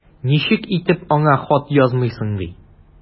Ничек итеп аңа хат язмыйсың ди!